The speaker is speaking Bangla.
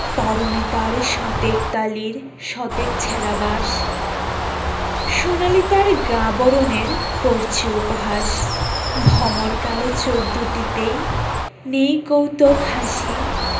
পরনে তার শতেক তালির শতেক ছেঁড়া বাস সোনালি তার গা বরণের করছে উপহাস ভমর কালো চোখ দুটিতে নেই কৌতক হাসি